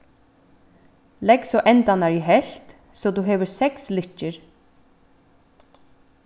legg endarnar í helvt so at tú hevur seks lykkjur